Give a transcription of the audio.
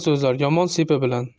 so'zlar yomon sepi bilan